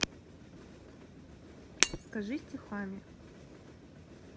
скажи стихами